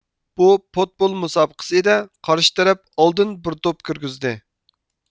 بۇ پوتبول مۇسابىقىسىدە قارشى تەرەپ ئالدىن بىر توپ كىرگۈزدى